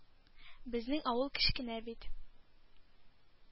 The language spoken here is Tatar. Безнең авыл кечкенә бит.